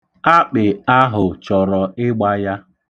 Akpị ahụ chọrọ ịgba ya.